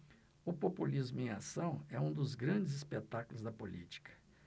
o populismo em ação é um dos grandes espetáculos da política